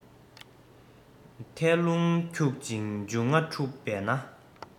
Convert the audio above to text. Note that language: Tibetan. ཐད རླུང འཁྱུག ཅིང འབྱུང ལྔ འཁྲུགས པས ན